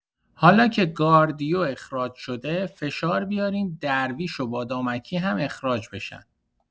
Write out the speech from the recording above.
حالا که گاریدو اخراج شده فشار بیارین درویش و بادامکی هم اخراج بشن.